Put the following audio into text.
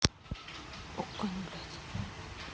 okko не блять